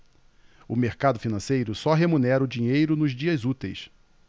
o mercado financeiro só remunera o dinheiro nos dias úteis